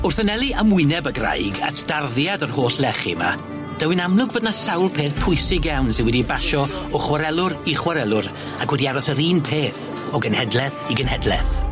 Wrth anelu ymwyneb y graig at darddiad yr holl lechi 'my daw e'n amlwg fod 'na sawl peth pwysig iawn sy wedi 'i basio o chwarelwr i chwarelwr ac wedi aros yr un peth o genhedleth i genhedleth.